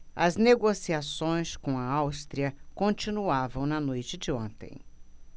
as negociações com a áustria continuavam na noite de ontem